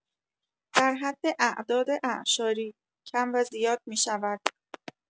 در حد اعداد اعشاری، کم و زیاد می‌شود.